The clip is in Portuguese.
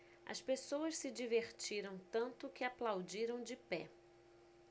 as pessoas se divertiram tanto que aplaudiram de pé